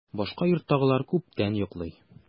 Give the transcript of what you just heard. Башка йорттагылар күптән йоклый.